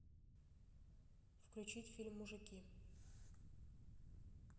включить фильм мужики